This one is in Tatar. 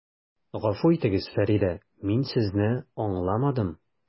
Гафу итегез, Фәридә, мин Сезне аңламадым.